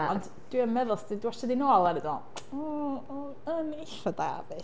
Ond dwi yn meddwl wnei di watsiad hi'n ôl rŵan, a dwi'n meddwl, "o o' hi yn eithaf da de".